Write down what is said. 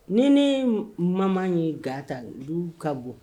Ni nee m maman ye ga ta du ka bon